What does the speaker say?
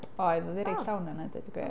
Oedd, oedd hi reit llawn yna a deud y gwir.